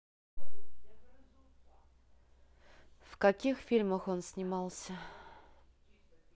в каких фильмах он снимался